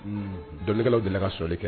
Donnikɛlaw delila ka sɔsɔli kɛ